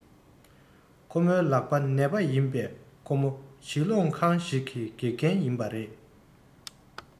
ཁོ མོའི ལག པ ནད པ ཡིན པས ཁོ མོ བྱིས སྐྱོང ཁང ཞིག གི དགེ རྒན ཡིན པ རེད